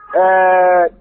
Ɛɛ